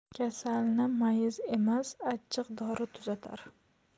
kasalni mayiz emas achchiq dori tuzatar